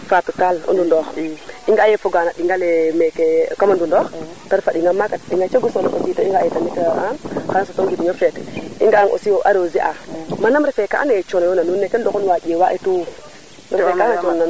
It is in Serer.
Fatou Tall o Ndoundokh i nga a ye foga na ɗinga le meke kama Ndoundokh te ref a ɗinga maak o cegu solo aussi i nga e tamit a kan suto njirño feet i nga a aussi o arroser a manam refe ka ando naye cono yo na nuun mais kan ndoxan wa ƴeawa mbiya tout